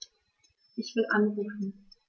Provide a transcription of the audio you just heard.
Ich will anrufen.